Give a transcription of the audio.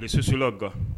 I sososulaw gan